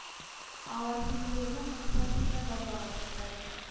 Алар тимер юлны һәм станцияне бомбага тотты